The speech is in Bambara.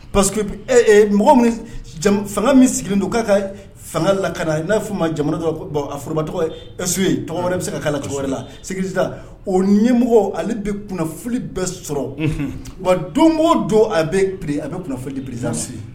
Parce que fanga min sigilen don k'a ka fanga la ka n'a f' ma jamana dɔ a foroba tɔgɔ esu ye tɔgɔ wɛrɛ bɛ se ka k' tɔgɔ wɛrɛ la o ɲɛ mɔgɔw ale bɛ kunfi bɛɛ sɔrɔ wa don o don a bɛere a bɛfidi perezrisi